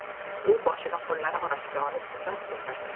u boshini qo'llari orasiga olib uzoq o'tirdi